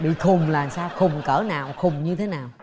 bị khùng là sao khùng cỡ nào khủng như thế nào